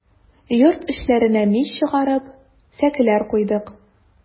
Йорт эчләренә мич чыгарып, сәкеләр куйдык.